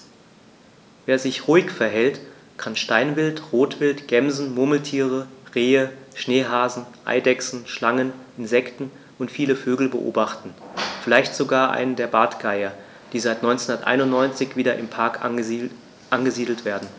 Wer sich ruhig verhält, kann Steinwild, Rotwild, Gämsen, Murmeltiere, Rehe, Schneehasen, Eidechsen, Schlangen, Insekten und viele Vögel beobachten, vielleicht sogar einen der Bartgeier, die seit 1991 wieder im Park angesiedelt werden.